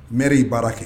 M y'i baara kɛ